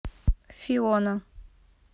фиона